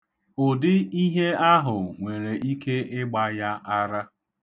Ụdị ihe ahụ nwere ike ịgba ya ara.